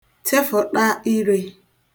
tịfụ̀ṭa irē